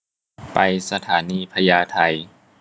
ไปสถานีพญาไท